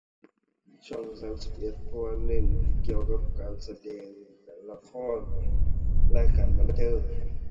ช่องสามสิบเอ็ด เพราะว่าเน้นเกี่ยวกับการแสดง ละคร รายการบันเทิง